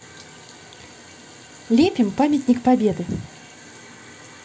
лепим памятник победы